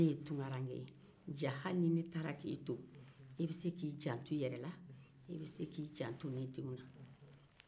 ne ye tunkaranke ye jaa hali ni ne taara k'e to e be se k'i janto ne denw na